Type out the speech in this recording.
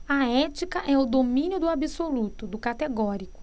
a ética é o domínio do absoluto do categórico